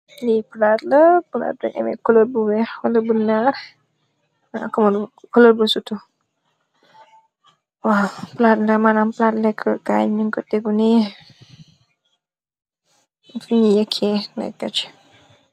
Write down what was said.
lii plaatla plat duñ ame coloor bu wex ana bu naarcoloor bu sutu wa plaat la mënam plat lekk kaay ñuñ ko tegu nee fuñu yekkee na kacc